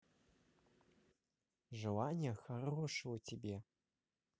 желание хорошего тебе